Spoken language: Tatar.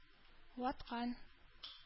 Ваткан